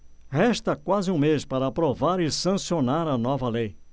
resta quase um mês para aprovar e sancionar a nova lei